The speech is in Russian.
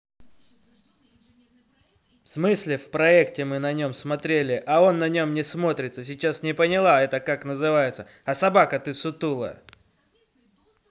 в смысле в проекте мы на нем смотрели а он на нем не смотрится сейчас не поняла это как называется а собака ты сутулая